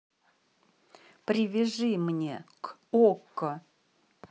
привяжи мне к okko